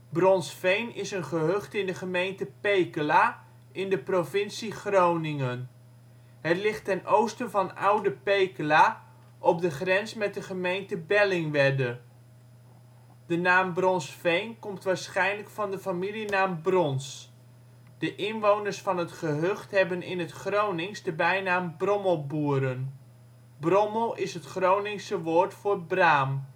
Bronsveen is een gehucht in de gemeente Pekela in de provincie Groningen. Het ligt ten oosten van Oude Pekela op de grens met de gemeente Bellingwedde. De naam Bronsveen komt waarschijnlijk van de familienaam Brons. De inwoners van het gehucht hebben in het Gronings de bijnaam Brommelboeren. Brommel is het Groningse woord voor braam